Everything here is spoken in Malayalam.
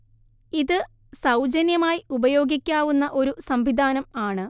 ഇത് സൗജന്യമായി ഉപയോഗിക്കാവുന്ന ഒരു സംവിധാനം ആണ്